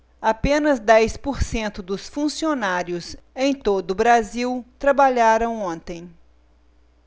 apenas dez por cento dos funcionários em todo brasil trabalharam ontem